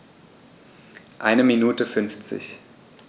Eine Minute 50